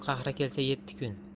qahri kelsa yetti kun